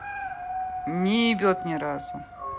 не ебет ни разу